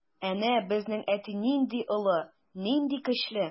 Әнә безнең әти нинди олы, нинди көчле.